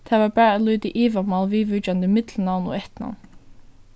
tað var bara eitt lítið ivamál viðvíkjandi millumnavn og eftirnavn